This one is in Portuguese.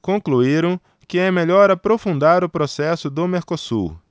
concluíram que é melhor aprofundar o processo do mercosul